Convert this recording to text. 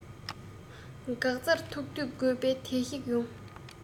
འགག རྩར ཐུག དུས དགོས པའི དུས ཤིག ཡོང